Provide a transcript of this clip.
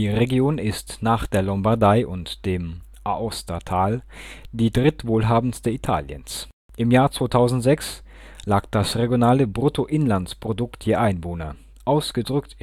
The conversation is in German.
Region ist nach der Lombardei und dem Aostatal die drittwohlhabendste Italiens. Im Jahr 2006 lag das regionale Bruttoinlandsprodukt je Einwohner, ausgedrückt